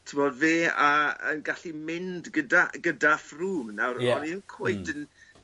t'bod fe a yn gallu mynd gyda gyda Froome nawr o'n i ddim cweit yn